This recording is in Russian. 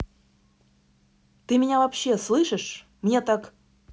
ты меня вообще слышишь мне так